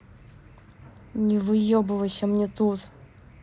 не выебывайся мне тут